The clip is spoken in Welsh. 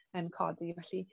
yn codi felly